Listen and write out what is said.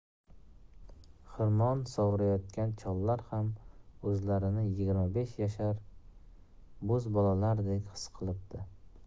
xirmon sovurayotgan chollar ham o'zlarini yigirma besh yashar bo'z bolalardek xis qilibdi